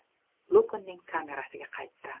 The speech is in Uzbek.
luknning kamerasiga qaytdi